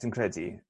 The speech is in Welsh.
dwi'n credu.